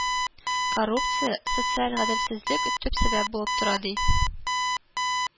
Коррупция, социаль гаделсезлек төп сәбәп булып тора, ди